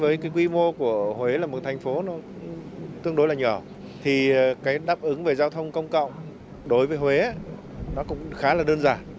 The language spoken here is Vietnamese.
với cái quy mô của huế là một thành phố nó cũng tương đối là nhỏ thì cái đáp ứng về giao thông công cộng đối với huế nó cũng khá là đơn giản